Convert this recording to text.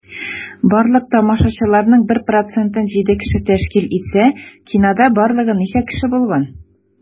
Барлык тамашачыларның 1 процентын 7 кеше тәшкил итсә, кинода барлыгы ничә кеше булган?